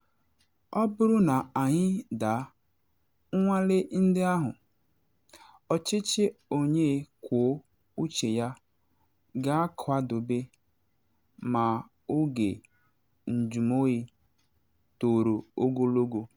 Ọ bụrụ na anyị daa nnwale ndị ahụ, ọchịchị onye kwuo uche ya ga-akwadobe maka oge njụmoyi toro ogologo.